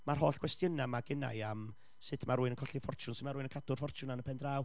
Mae'r holl gwestiynau 'ma genna i am sut ma' rywun yn colli ffortiwn, sut ma' rywun yn cadw'r ffortiwn 'na yn y pen draw.